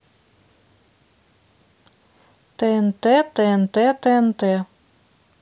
тнт тнт тнт